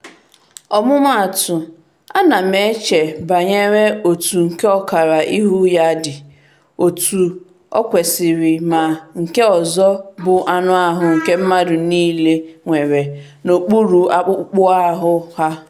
Ọmụmaatụ, ana m eche banyere otu nke ọkara ihu ya dị otú o kwesịrị ma nke ọzọ bụ anụahụ nke mmadụ niile nwere n'okpuru akpụkpọahụ ha.